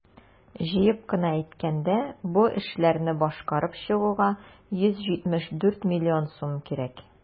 Җыеп кына әйткәндә, бу эшләрне башкарып чыгуга 174 млн сум кирәк.